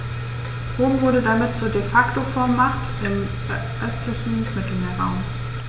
Rom wurde damit zur ‚De-Facto-Vormacht‘ im östlichen Mittelmeerraum.